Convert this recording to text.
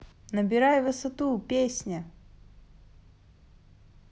набирай высоту песня